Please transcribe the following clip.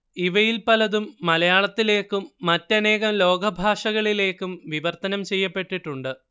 ഇവയിൽ പലതും മലയാളത്തിലേക്കും മറ്റനേകം ലോകഭാഷകളിലേക്കും വിവർത്തനം ചെയ്യപ്പെട്ടിട്ടുണ്ട്